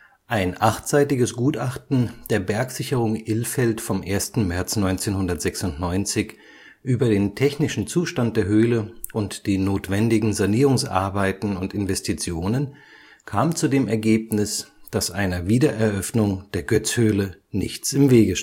Ein achtseitiges Gutachten der Bergsicherung Ilfeld vom 1. März 1996 über den technischen Zustand der Höhle und die notwendigen Sanierungsarbeiten und Investitionen kam zu dem Ergebnis, dass einer Wiedereröffnung der Goetz-Höhle nichts im Wege